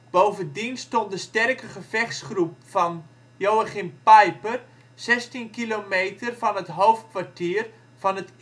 Bovendien stond de sterke gevechtsgroep van Joachim Peiper zestien kilometer van het hoofdkwartier van het